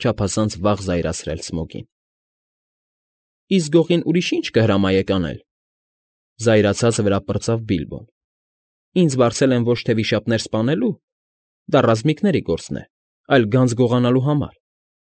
Չափազանց վաղ զայրացրել Սմոգին։ ֊ Իսկ գողին ուրիշ ի՞նչ կհարմայեք անել,֊ զայրացած վրա պրծավ Բիլբոն։֊ Ինձ վարձել են ոչ թե վիշապներ սպանելու, դա ռազմիկների գործն է, այլ գանձ գողանալու համար։